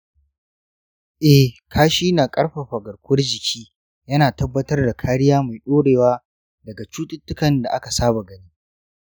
eh, kashi na ƙarfafa garkuwar jiki yana tabbatar da kariya mai dorewa daga cututtukan da aka saba gani.